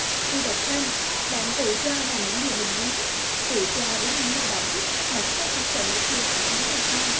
khi độc thân bạn tự do làm những điều bạn muốn tự do đến những nơi bạn thích mà không phải sợ nửa kia phản ứng ra sao